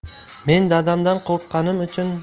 men dadamdan qo'rqqanim